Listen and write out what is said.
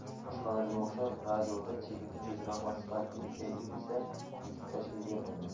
boshqalarga o'xshab radioda chigitni tezroq va sifatli ekaylik desa ekib tashlayvermayman